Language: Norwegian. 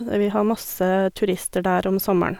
Vi har masse turister der om sommeren.